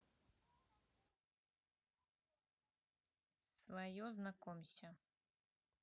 свое знакомься